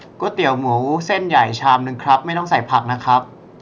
ก๋วยเตี๋ยวหมูเส้นใหญ่ชามนึงครับไม่ต้องใส่ผักนะครับ